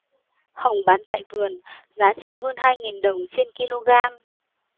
hồng bán tại vườn giá chỉ hơn hai nghìn đồng trên ki lô gam